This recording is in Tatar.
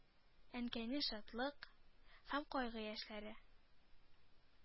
Әнкәйнең шатлык һәм кайгы яшьләре,